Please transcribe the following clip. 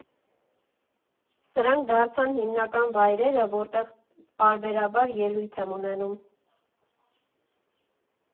Սրանք դարձան հիմնական վայրերը, որտեղ պարբերաբար ելույթ եմ ունենում։